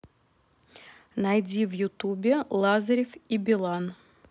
найди в ютубе лазарев и билан